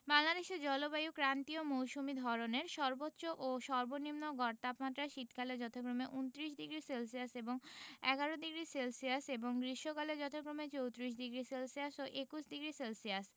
বাংলাদেশের জলবায়ু ক্রান্তীয় মৌসুমি ধরনের সর্বোচ্চ ও সর্বনিম্ন গড় তাপমাত্রা শীতকালে যথাক্রমে ২৯ ডিগ্রি সেলসিয়াস এবং ১১ডিগ্রি সেলসিয়াস এবং গ্রীষ্মকালে যথাক্রমে ৩৪ডিগ্রি সেলসিয়াস ও ২১ডিগ্রি সেলসিয়াস